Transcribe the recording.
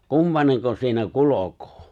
kumpainenko siinä kulkee